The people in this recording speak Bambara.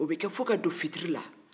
o bɛ kɛ fo ka don fitirila